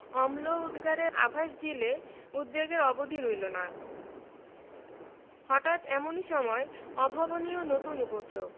অম্ল উদগারের আভাস দিলে উদ্বেগের অবধি রইল না হঠাৎ এমনি সময় অভাবনীয় নতুন উপদ্রব